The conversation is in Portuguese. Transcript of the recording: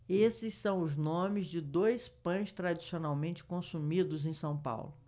esses são os nomes de dois pães tradicionalmente consumidos em são paulo